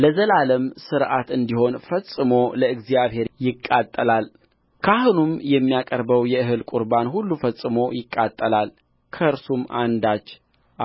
ለዘላለም ሥርዓት እንዲሆን ፈጽሞ ለእግዚአብሔር ይቃጠላልካህኑም የሚያቀርበው የእህል ቍርባን ሁሉ ፈጽሞ ይቃጠላል ከእርሱም አንዳች